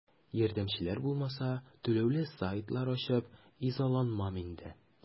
Ярдәмчеләр булмаса, түләүле сайтлар ачып изаланмам инде.